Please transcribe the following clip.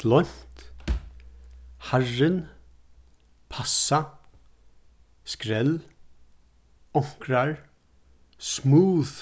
gloymt harrin passa skrell onkrar smooth